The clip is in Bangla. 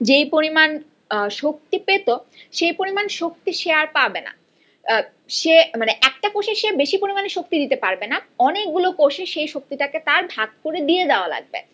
যে পরিমান শক্তি পেত সে পরিমাণ শক্তি সে আর পাবে না মানে একটা কোষ এসে বেশি পরিমাণে শক্তি দিতে পারবে না অনেকগুলো কোষে তার সে শক্তিটাকে ভাগ করে দিয়ে দেয়া লাগবে